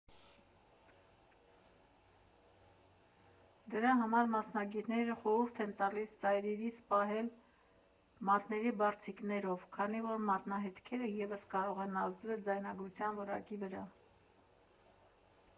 Դրա համար մասնագետները խորհուրդ են տալիս ծայրերից պահել՝ մատների բարձիկներով, քանի որ մատնահետքերը ևս կարող են ազդել ձայնագրության որակի վրա։